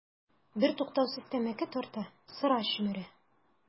Бертуктаусыз тәмәке тарта, сыра чөмерә.